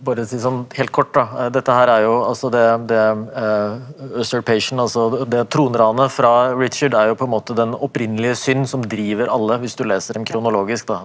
bare si sånn helt kort da dette her er jo altså det det altså det troneranet fra Richard er jo på en måte den opprinnelige synd som driver alle hvis du leser den kronologisk da.